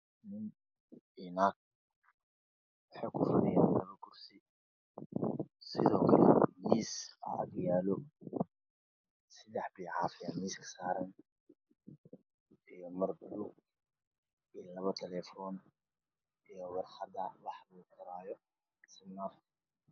Waxaa ujiro miss sadex biyo casfiyaa ayaa saran